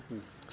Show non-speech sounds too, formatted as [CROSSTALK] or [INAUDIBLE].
[HESITATION] [HESITATION]